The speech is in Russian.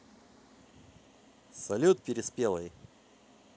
салют переспелый